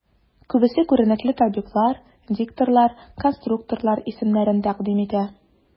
Күбесе күренекле табиблар, дикторлар, конструкторлар исемнәрен тәкъдим итә.